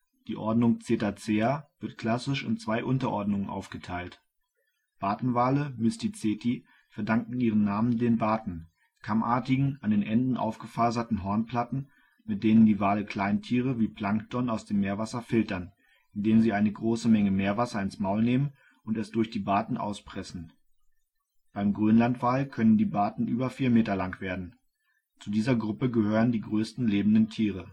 Die Ordnung Cetacea wird klassisch in zwei Unterordnungen aufgeteilt: Bartenwale (Mysticeti) verdanken ihren Namen den Barten, kammartigen, an den Enden aufgefaserten Hornplatten, mit denen die Wale Kleintiere wie Plankton aus dem Meerwasser filtern, indem sie eine große Menge Meerwasser ins Maul nehmen und es durch die Barten auspressen. Beim Grönlandwal können die Barten über 4 Meter lang werden. Zu dieser Gruppe gehören die größten lebenden Tiere